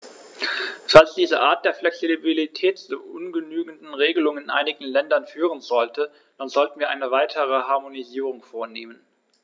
Falls diese Art der Flexibilität zu ungenügenden Regelungen in einigen Ländern führen sollte, dann sollten wir eine weitere Harmonisierung vornehmen.